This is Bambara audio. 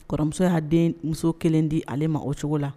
Kɔrɔmuso y'a den muso kelen di ale ma o cogo la